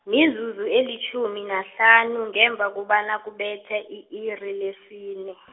mizuzu elitjhumi nahlanu ngemva kobana kubethe i-iri lesine .